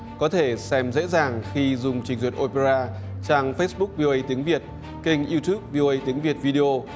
có thể xem dễ dàng khi dùng trình duyệt ô pê ra trang phếch búc vi ô ây tiếng việt kênh iu tút vi ô ây tiếng việt vi đi ô